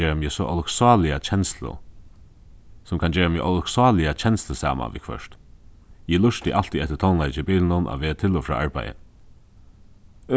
gera meg so ólukksáliga kenslu sum kann gera meg ólukksáliga kenslusama viðhvørt eg lurti altíð eftir tónleiki í bilinum á veg til og frá arbeiði